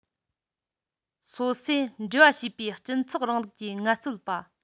སོ སོས འབྲེལ བ བྱེད པའི སྤྱི ཚོགས རིང ལུགས ཀྱི ངལ རྩོལ པ